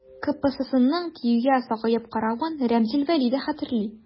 КПССның ТИҮгә сагаеп каравын Римзил Вәли дә хәтерли.